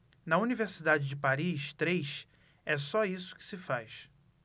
na universidade de paris três é só isso que se faz